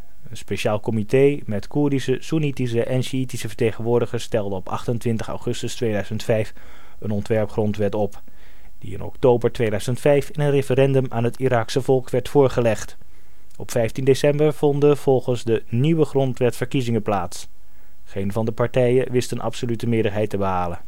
speciaal comité met Koerdische, soennitische & sjiitische vertegenwoordigers stelde op 28 augustus 2005 een ontwerp-grondwet op, die in oktober 2005 in een referendum aan het Iraakse volk werd voorgelegd. Op 15 december vonden volgens de nieuwe grondwet verkiezingen plaats. Geen van de partijen wist een absolute meerderheid te behalen